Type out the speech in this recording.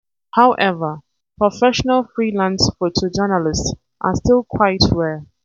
However, professional freelance photojournalists are still quite rare.